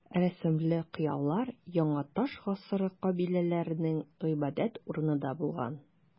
Рәсемле кыялар яңа таш гасыры кабиләләренең гыйбадәт урыны да булган.